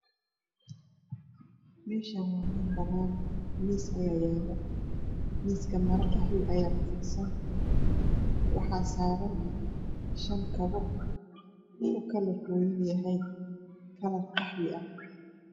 Meshan waa meel baban mis ayaa yala miska maro qaxwiya ayaa ku fidsan waxaa saran shan kabo kalar koodu yahay qaxwi